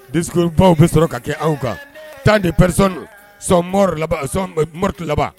Discours baw bɛ sɔrɔ ka kɛ anw kan tant de personnes son morts, mortes là-bas